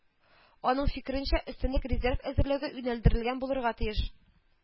Аның фикеренчә, өстенлек резерв әзерләүгә юнәлдерелгән булырга тиеш